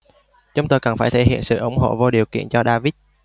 chúng tôi cần phải thể hiện sự ủng hộ vô điều kiện cho david